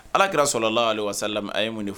Alakira sɔrɔlala ali wala a ye mun de fɛ